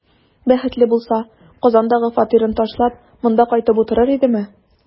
Бәхетле булса, Казандагы фатирын ташлап, монда кайтып утырыр идеме?